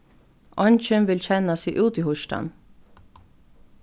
eingin vil kenna seg útihýstan